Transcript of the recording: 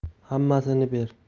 hammasini ber